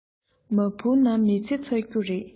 མ འཕུར ན མི ཚེ ཚར རྒྱུ རེད